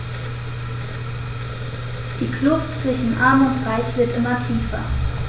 Die Kluft zwischen Arm und Reich wird immer tiefer.